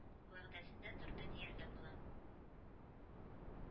Вәгъдәсендә торды дияргә була.